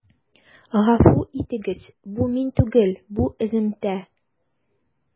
Гафу итегез, бу мин түгел, бу өземтә.